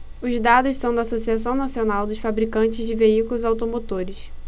os dados são da anfavea associação nacional dos fabricantes de veículos automotores